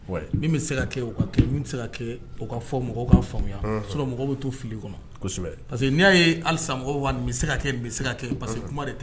Min bɛ se ka kɛ ka kɛ min bɛ se ka kɛ o ka fɔ mɔgɔw ka faamuya sɔrɔ mɔgɔw bɛ to fili kɔnɔ kosɛbɛ parce que n'i y'a ye halisamɔgɔ wa min bɛ se ka kɛ bɛ se ka kɛ pa parce que kuma de